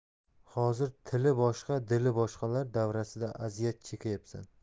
hozir tili boshqa dili boshqalar davrasida aziyat chekyapsan